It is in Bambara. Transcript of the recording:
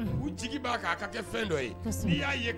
U jigi ba kan a ka kɛ fɛn dɔ ye . Kɔsɛbɛ . Ni ya ye